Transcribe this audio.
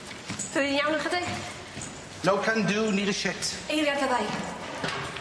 iawn ychydig? No can do need a shit. Eiliad ne' ddau.